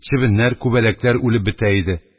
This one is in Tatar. Чебеннәр, күбәләкләр үлеп бетә иде